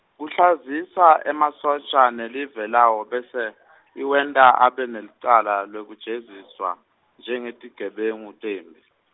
Kuhlazisa emasotja nelive lawo bese , iwenta abe nelicala lwekujeziswa, njengetigebengu temphi.